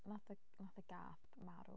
Wnaeth y... wnaeth y gath marw.